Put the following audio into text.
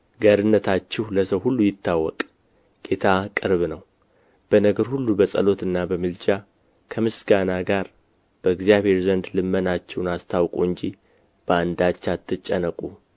ገርነታችሁ ለሰው ሁሉ ይታወቅ ጌታ ቅርብ ነው በነገር ሁሉ በጸሎትና በምልጃ ከምስጋና ጋር በእግዚአብሔር ዘንድ ልመናችሁን አስታውቁ እንጂ በአንዳች አትጨነቁ